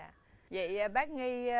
dạ vậy bác nghi